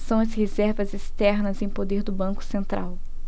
são as reservas externas em poder do banco central